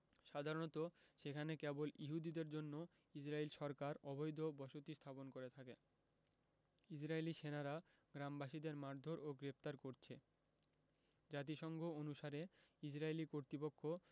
সাধারণত সেখানে কেবল ইহুদিদের জন্য ইসরাইল সরকার অবৈধ বসতি স্থাপন করে থাকে ইসরাইলী সেনারা গ্রামবাসীদের মারধোর ও গ্রেফতার করছে জাতিসংঘ অনুসারে ইসরাইলি কর্তৃপক্ষ